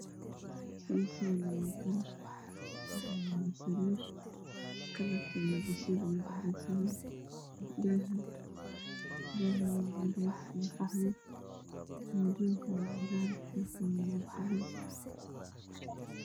Meeshaani waa qol waxaa yaalo sariir kalarkeedu basali yahay daaha waa cadays iyo qaxwi dhulka waa qalin